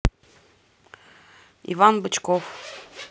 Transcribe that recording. иван бычков